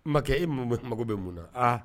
Makɛ e mun bɛ mako bɛ munda